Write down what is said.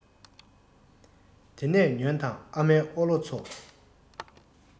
དེ ནས ཉོན དང ཨ མའི ཨོ ལོ ཚོ